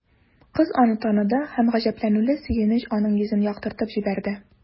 Кыз аны таныды һәм гаҗәпләнүле сөенеч аның йөзен яктыртып җибәрде.